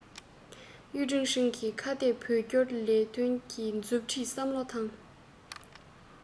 རྒྱལ ཡོངས མི རིགས ཁག གི མི དམངས ཀྱི རྩ བའི ཁེ ཕན བཅས དང འཚམས པ ལག ལེན གྱི ཐོག ནས ར འཕྲོད བྱུང ཡོད ཅེས ནན བཤད གནང བ རེད